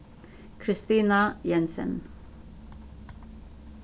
kristina jensen